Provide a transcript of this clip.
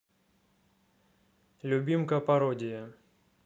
любимка пародии